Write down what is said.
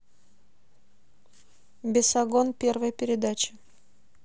бесогон первая передача